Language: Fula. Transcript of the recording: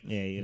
eyyi